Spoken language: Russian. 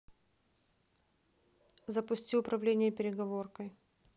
запусти управление переговоркой